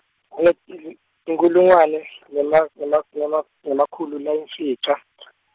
-ili, inkhulungwane, nema, nemak- nema, nemakhulu layimfica .